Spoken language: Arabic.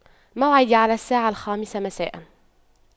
موعدي على الساعة الخامسة مساء